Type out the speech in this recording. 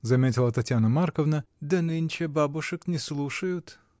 — заметила Татьяна Марковна, — да нынче бабушек не слушают.